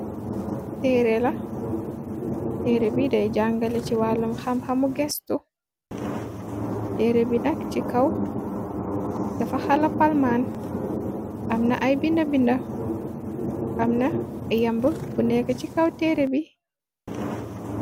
Tere la teere bi day jàngale ci wàllum xamxamu gestu teere bi nakk ci kaw dafa xala palmaan amna ay binda-binda amna yamb bu nekk ci kaw teere bi.